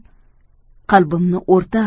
qalbimni o'rtab